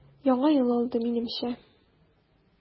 Яңа ел алды, минемчә.